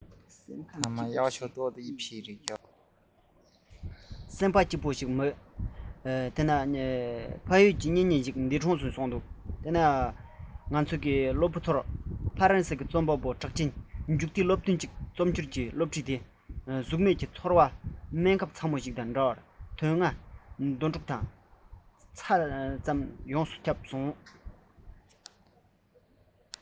སེམས ཁམས སྐྱིད པོ ཞིག ཡེ ནས མ རེད ཕ ཡུལ གྱི གཉེན ཉེ ཞིག འདས གྲོངས སུ གྱུར སེམས ཁོང གི མཛའ ན མོར གཏན འགལ དུ གྱུར ངས རང གི སློབ བུ ཚོར ཧྥ རན སིའི རྩོམ པ པོ གྲགས ཅན མཇུག མཐའི སློབ ཐུན གཅིག བསྒྱུར རྩོམ གྱི སློབ ཚན དེ ཁྲིད གཟུགས མེད ཀྱི ཚོར བ སྨན ཁབ བཙན པོ ཞིག དང འདྲ བར དོན ལྔ སྣོད དྲུག དང རྩ ལམ ཡོངས སུ ཁྱབ སོང